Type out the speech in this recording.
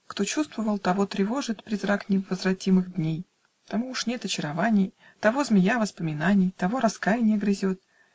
Кто чувствовал, того тревожит Призрак невозвратимых дней: Тому уж нет очарований, Того змия воспоминаний, Того раскаянье грызет.